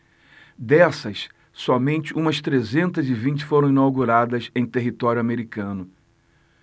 dessas somente umas trezentas e vinte foram inauguradas em território americano